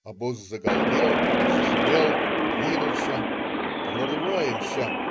Обоз загалдел, зашумел, двинулся. Прорываемся.